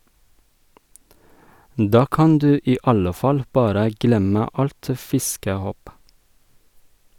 Da kan du i alle fall bare glemme alt fiskehåp.